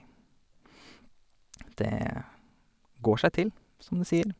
Det går seg til, som de sier.